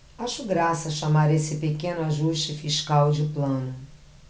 acho graça chamar esse pequeno ajuste fiscal de plano